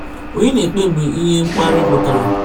Onye na-ekpebi ihe mkparị pụtara?